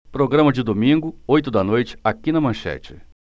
programa de domingo oito da noite aqui na manchete